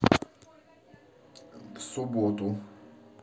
в субботу